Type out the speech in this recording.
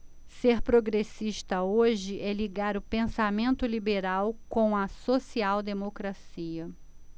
ser progressista hoje é ligar o pensamento liberal com a social democracia